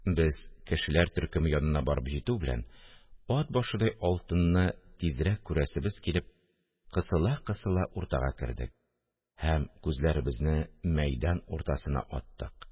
Без, кешеләр төркеме янына барып җитү белән, «ат башыдай алтын»ны тизрәк күрәсебез килеп, кысыла-кысыла уртага кердек һәм күзләребезне мәйдан уртасына аттык